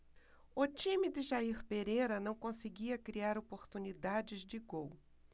o time de jair pereira não conseguia criar oportunidades de gol